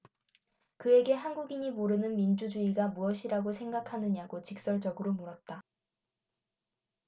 그에게 한국인이 모르는 민주주의가 무엇이라고 생각하느냐고 직설적으로 물었다